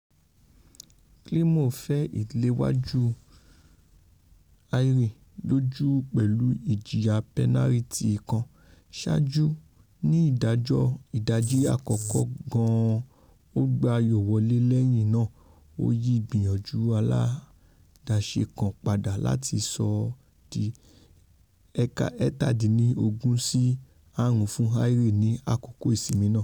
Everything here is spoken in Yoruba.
Climo fẹ ìléwájú Ayr lójú pẹ̀lú ìjìyà pẹnariti kan, saájú, ní ìdajì àkókò gan-an, ó gbá ayò wọlé lẹ́yìn náà ó yí ìgbìyànjú aláàdáṣe kan padà láti sọ ọ́ di 17-5 fún Ayr ní àkókò ìsinmi náà.